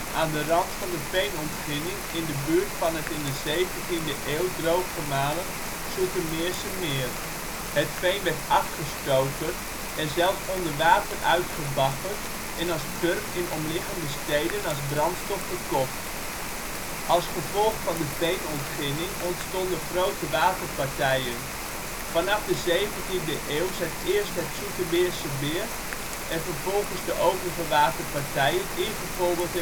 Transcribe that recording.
aan de rand van de veenontginning in de buurt van het in de 17e eeuw drooggemalen Soetermeerse meer. Het veen werd afgestoken en zelfs onder water uitgebaggerd en als turf in omliggende steden als brandstof verkocht. Als gevolg van de veenontginning ontstonden grote waterpartijen. Vanaf de 17e eeuw zijn eerst het Soetermeerse meer (1616) en vervolgens de overige waterpartijen ingepolderd